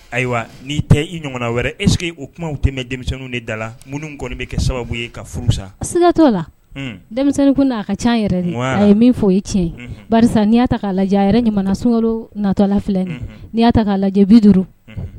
Ayiwa n'i tɛ i ɲɔgɔnna wɛrɛ eske o kumaw tɛ denmisɛnninw de da la minnu kɔniɔni bɛ kɛ sababu ye ka furusa sigatɔ la denmisɛnnin kun'a ka ca yɛrɛ a ye min fɔ ye tiɲɛ n'i y ta k'a lajɛ a yɛrɛ ɲamana sumawororo natɔla filɛ' ya ta k'a lajɛ bi duuru